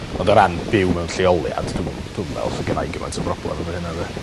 ond o rhan byw mewn lleoliad dw'm dw'm yn me'wl sa genna' i gymaint o broblem efo hynna 'de?